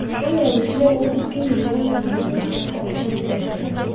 Шул рәвешле ул ике миллион сумнан күбрәк акча үзләштерә.